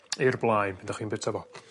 i'r blaen pan 'dach chi'n bita fo.